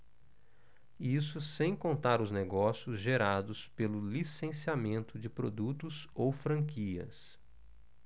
isso sem contar os negócios gerados pelo licenciamento de produtos ou franquias